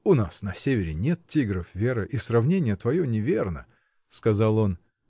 — У нас на севере нет тигров, Вера, и сравнение твое неверно, — сказал он.